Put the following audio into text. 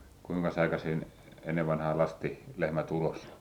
kuinkas aikaisin ennen vanhaan laskettiin lehmät ulos